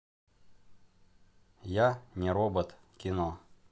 я не робот кино